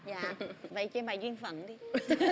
dạ vậy chơi bài bài duyên phận đi